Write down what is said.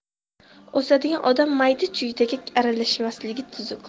o'sadigan odam mayda chuydaga aralashmasligi tuzuk